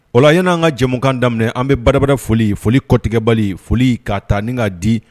O lay'an ka jɛmukan daminɛ an bɛ baarabarara foli foli kɔtigɛ bali foli ka taa ni ka di